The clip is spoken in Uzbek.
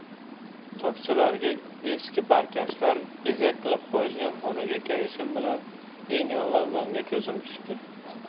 tokchalarga eski barkashlar bezak qilib qo'yilgan xonaga kirishim bilan eng avval nonga ko'zim tushdi